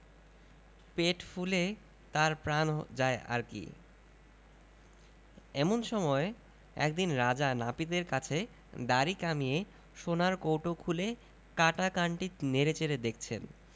পেট ফুলে তার প্রাণ যায় আর কি এমন সময় একদিন রাজা নাপিতের কাছে দাড়ি কামিয়ে সোনার কৌটো খুলে কাটা কানটি নেড়ে চেড়ে দেখছেন